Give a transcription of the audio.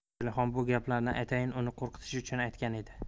zelixon bu gaplarni atayin uni qo'rqitish uchun aytgan edi